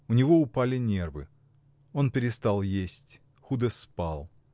У него упали нервы: он перестал есть, худо спал.